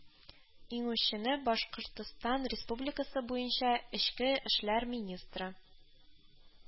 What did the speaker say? Иңүчене башкортстан республикасы буенча эчке эшләр министры